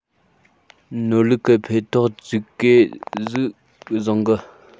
ནོར ལུག གི འཕེས ཐོག ཙིག གེ ཟིག བཟང གི